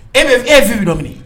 E bɛ e ye Fifi dɔn mini